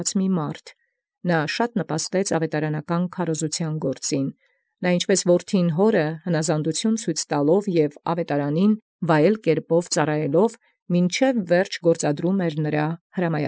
Բազում ինչ նպաստութիւն ցուցանէր աւետարանագործ վարդապետութեանն, իբրև որդւոյ առ հայր՝ հպատակութիւն ցուցեալ, և ծառայեալ ըստ աւետարանին վայելչութեան, մինչ ի վախճան զհրամայեալսն ի գործ բերէր։